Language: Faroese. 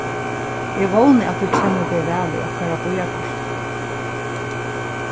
eg vóni at tú kennir teg væl í okkara býarparti